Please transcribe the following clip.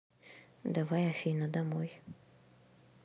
давай афина домой